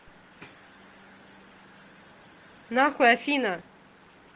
нахуй афина